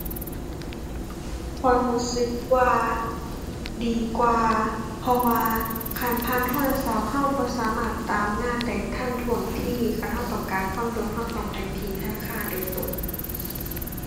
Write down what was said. ข้อยรู้สึกว่า ดีกว่า เพราะว่าคันผ่านโทรศัพท์รู้บ่สามารถตามงานได้ทันท่วงที คันรู้ต้องการความด่วนรู้ต้องไปที่ธนาคารโดยตรง